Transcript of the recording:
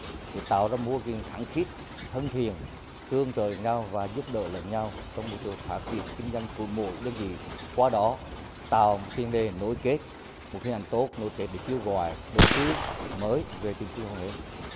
việc tạo ra mô hình khăng khít thân thiện tương trợ lẫn nhau và giúp đỡ lẫn nhau trong môi trường phát triển kinh doanh của mỗi đơn vị qua đó tạo tiền đề nối kết một hình ảnh tốt nối kết để kêu gọi đầu tư mới về tỉnh thừa thiên huế